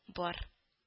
Бар